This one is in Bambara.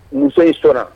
Muso in sera